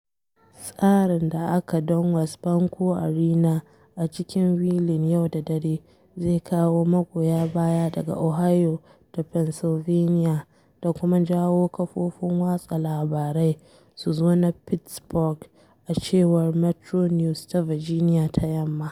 Tsarin da aka don Wesbanco Arena a cikin Wheeling, yau da dare zai kawo magoya baya daga "Ohio da Pennsylvania da kuma jawo kafofin watsa labarai su zo na Pittsburgh," a cewar Metro News ta Virginia ta Yamma.